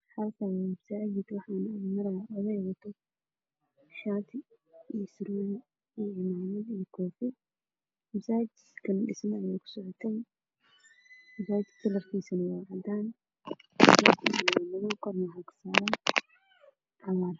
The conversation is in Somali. Halkan waa masaajid waxaa galaya laba nin oo wata shati iswaal masaajidka dhismaha ku socoto kalarkiisa waa caddeyn iyo madow